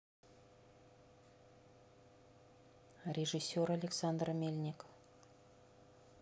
режиссер александр мельник